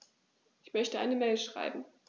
Ich möchte eine Mail schreiben.